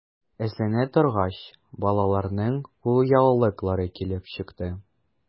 Эзләнә торгач, балаларның кулъяулыклары килеп чыкты.